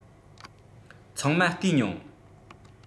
ཚང མ བལྟས མྱོང